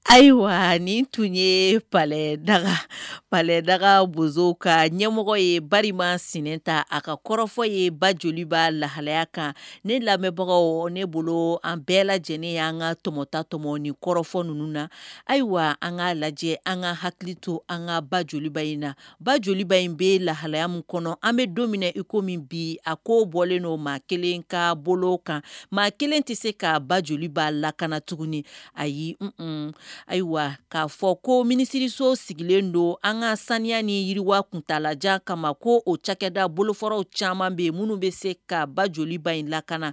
Ayiwa nin tun ye palɛdaga paleda bo ka ɲɛmɔgɔ ye baman sen ta a ka kɔrɔfɔ ye ba joliba lahalaya kan ne lamɛnbagaw ne bolo an bɛɛ lajɛlen y an ka tɔmɔtatomɔ ni kɔrɔfɔ ninnu na ayiwa an ka lajɛ an ka hakili to an ka ba joliba in na ba joliba in bɛ lahalaya min kɔnɔ an bɛ don min iko min bi a ko bɔlen oo ma kelen ka bolo kan maa kelen tɛ se ka ba joliba lakana tuguni ayim ayiwa k'a fɔ ko minisiririso sigilen don an ka saniya ni yiriwa tuntaalajan kama ko o cada boloffɔw caman bɛ yen minnu bɛ se ka ba joliba in lakana